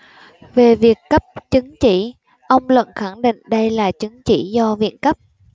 về việc cấp chứng chỉ ông luận khẳng định đây là chứng chỉ do viện cấp